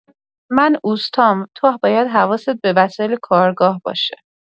من اوستام، تو باید حواست به وسایل کارگاه باشه.